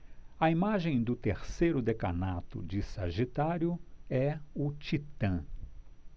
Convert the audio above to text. a imagem do terceiro decanato de sagitário é o titã